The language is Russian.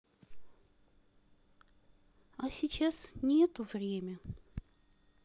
а сейчас нету время